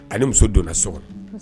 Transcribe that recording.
A muso donna so kɔnɔ